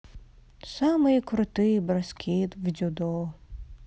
самые крутые броски в дзюдо